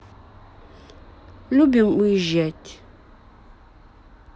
любим уезжать